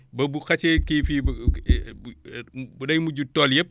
ba bu xasee kii fii ba day mujj tool yépp